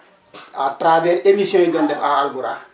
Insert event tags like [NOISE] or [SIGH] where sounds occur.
[NOISE] à travers émission yi ñu doon def à Alburaax